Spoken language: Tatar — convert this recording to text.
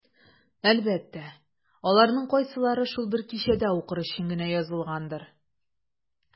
Әлбәттә, аларның кайсылары шул бер кичәдә укыр өчен генә язылгандыр.